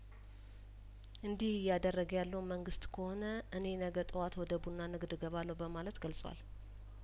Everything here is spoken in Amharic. እንዲህ እያደረገ ያለው መንግስት ከሆነ እኔ ነገ ጠዋት ወደ ቡና ንግድ እገባለሁ በማለት ገልጿል